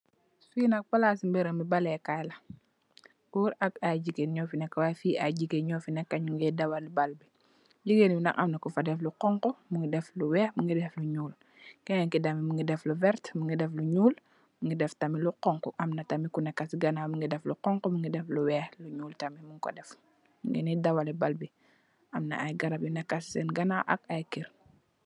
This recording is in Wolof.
Fii nak plassu mbirum baaleh kaii la, gorre ak aiiy gigain njur fii neka, yy fii aiiy gigain njur fii neka njungeh dawal bal bii, gigain bi nak amna kufa deff lu khonku, mungy deff lu wekh, mungy deff lu njull, kenen kii tamit mungy deff lu vertue, mungy def lu njull, mungy deff tamit lu khonku, amna tamit ku neka cii ganaw mungy deff lu khonku, mungy deff lu wekh, lu njull tamit munkoh deff, mungy nii dawaleh bal bii, amna aiiy garab yu neka sehn ganaw ak aiiy kerr.